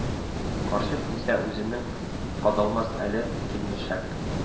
Карчык исә үзенең: "Кадалмас әле, килмешәк